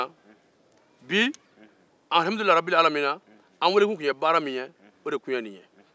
bi an weelekun tun ye baara min ye o tun ye nin ye